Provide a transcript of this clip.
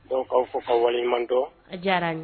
Donc k'aw fo k'aw waleɲumandɔn, a diyar'an ye.